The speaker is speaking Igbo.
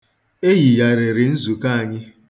E yigharịrị nzukọ anyị.